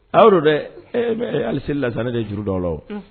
A y'o don dɛ alise la sa ne de juru dɔ la